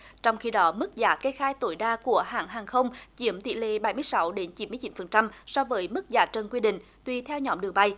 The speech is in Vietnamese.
trong khi đó mức giá kê khai tối đa của hãng hàng không chiếm tỷ lệ bảy mươi sáu đến chín mươi chín phần trăm so với mức giá trần quy định tùy theo nhóm đường bay